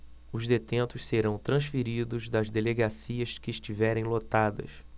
os detentos serão transferidos das delegacias que estiverem lotadas